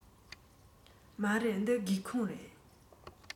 མ རེད འདི སྒེའུ ཁུང རེད